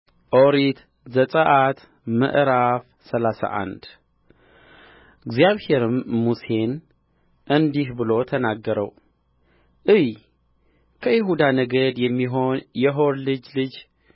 ኦሪት ዘጽአት ምዕራፍ ሰላሳ አንድ እግዚአብሔርም ሙሴን እንዲህ ብሎ ተናገረው እይ ከይሁዳ ነገድ የሚሆን የሆር የልጅ ልጅ